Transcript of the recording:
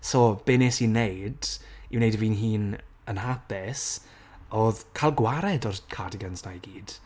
so, be wnes i wneud, i wneud i fi'n hun, yn hapus, oedd, cael gwared o'r cardigans 'na i gyd.